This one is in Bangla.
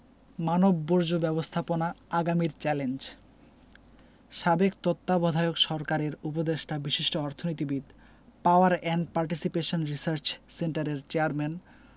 মানববর্জ্য ব্যবস্থাপনা আগামীর চ্যালেঞ্জ সাবেক তত্ত্বাবধায়ক সরকারের উপদেষ্টা বিশিষ্ট অর্থনীতিবিদ পাওয়ার অ্যান্ড পার্টিসিপেশন রিসার্চ সেন্টারের চেয়ারম্যান